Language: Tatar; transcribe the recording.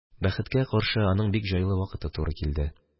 Бәхеткә каршы, аның бик җайлы вакыты туры килде